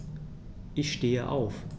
Ich stehe auf.